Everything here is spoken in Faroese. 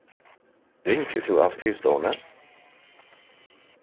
ringir tú av skrivstovuni